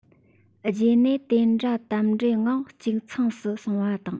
རྗེས ནས དེ འདྲ དམ འབྲེལ ངང གཅིག མཚུངས སུ སོང བ དང